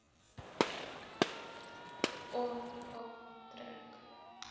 о о трек